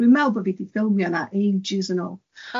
Dwi'n meddwl bo fi di ffilmio yna ages yn ôl.